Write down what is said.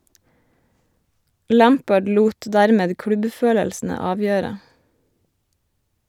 Lampard lot dermed klubbfølelsene avgjøre.